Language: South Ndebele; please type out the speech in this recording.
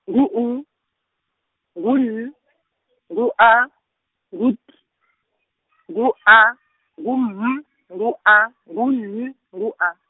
ngu U, ngu N , ngu A, ngu T , ngu A, ngu M, ngu A, ngu N, ngu A.